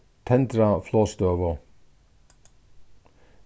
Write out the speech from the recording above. tendra flogstøðu